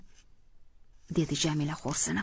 dedi jamila xo'rsinib